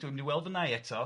dwi'm di weld fy nai eto